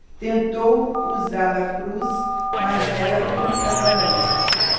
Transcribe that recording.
tentou usar a cruz mas era curta para isto